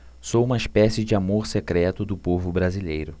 sou uma espécie de amor secreto do povo brasileiro